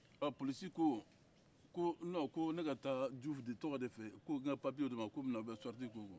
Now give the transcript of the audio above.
ɔ polosi ko ko nɔn ko ne ka taa jufu de tɔgɔ de fɛ yen ko n ka pipiye d'o ma k'o bɛ na u bɛ sɔrɔti kɛ o kun